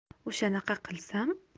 o'shanaqa qilsam